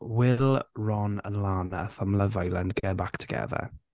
*Will Ron and Lana from Love Island get back together?